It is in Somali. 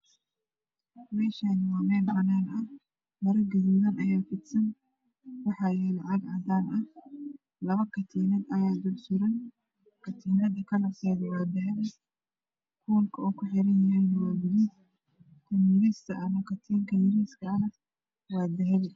Meeshaani waa meel banaan ah maro gaduudan ayaa fidsan waxaa yaalo caag cadaan ah labo katiinad ayaa dul suran katiinad kalarkeeda waa dahabi boolka uu ku xiranyahayna waa dahabi guduud tan yariista katiinkeeda yariiska waa dahabi